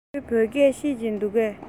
ཁོས བོད སྐད ཤེས ཀྱི འདུག གས